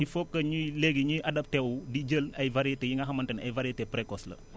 il faut que ñuy léegi ñuy adopté wu di jël ay variété yi nga xam ay variétés précoces la